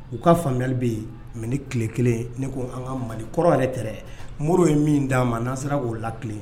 U ka faamuya bɛ yen mɛ ni tile kelen ne ko an ka mali kɔrɔ yɛrɛ tɛ mori ye min d'a ma n'an sera oo la kelen